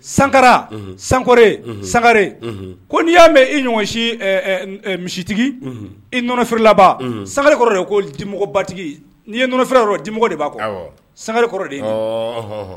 Sankara sankɔrɔ sangare ko n'i y'a mɛn i ɲɔgɔn si misitigi iɔnɔffiri laban sanga kɔrɔ de ye ko dimɔgɔbatigi n'i yeɔnɔffɛ dimmɔgɔ de b'a kɔ sangari kɔrɔ de